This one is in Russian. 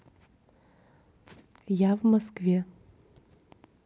я в москве